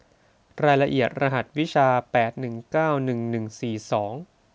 รายละเอียดรหัสวิชาแปดหนึ่งเก้าหนึ่งหนึ่งสี่สอง